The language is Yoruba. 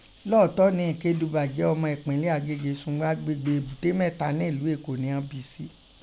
Lọ́ọ̀ọ́tọ nẹ Ikeduba jẹ ọmọ ẹ̀pinlẹ Agége, sugbọn agbegbe Ebute Meta nẹ́luu Eko nẹ ighọn bi i si.